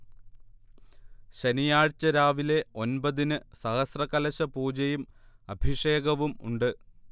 ശനിയാഴ്ച രാവിലെ ഒൻപതിന് സഹസ്രകലശപൂജയും അഭിഷേകവും ഉണ്ട്